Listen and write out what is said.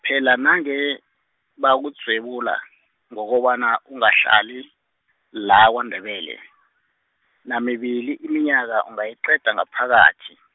phela nange bakudzwebula , ngokobana ungahlali, la kwaNdebele , namibili iminyaka ungayiqeda ngaphakathi.